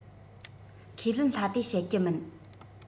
ཁས ལེན སླ དེ བཤད རྒྱུ མིན